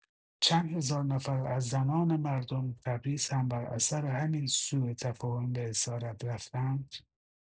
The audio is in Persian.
چند هزار نفر از زنان مردم تبریز هم بر اثر همین سو تفاهم به اسارت رفتند؟